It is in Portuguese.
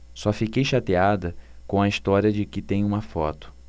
só fiquei chateada com a história de que tem uma foto